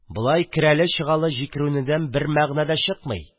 – болай керәле-чыгалы җикеренүдән мәгънә юк...